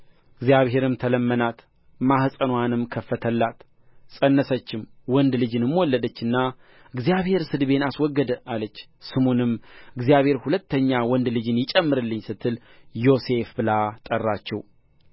እግዚአብሔርም ተለመናት ማኅፀንዋንም ከፈተላት ፀነሰችም ወንድ ልጅንም ወለደችና እግዚአብሔር ስድቤን አስወገደ አለች ስሙንም እግዚአብሔር ሁለተኛ ወንድ ልጅን ይጨምርልኝ ስትል ዮሴፍ ብላ ጠራችው